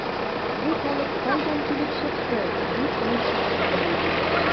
“бу халык кайдан килеп чыкты”, дип мин шакката идем.